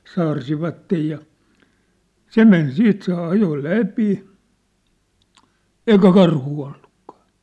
saarsivat ja se meni siitä se ajoi läpi eikä karhua ollutkaan